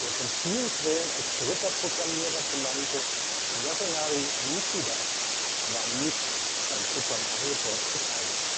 von vielen Quellen als dritter Programmierer benannte Yasunari Nishida war nicht an Super Mario Bros. beteiligt